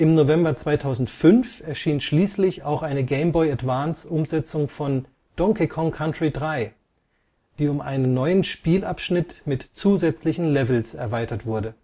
November 2005 erschien schließlich auch eine GBA-Umsetzung von Donkey Kong Country 3, die um einen neuen Spielabschnitt mit zusätzlichen Levels erweitert wurde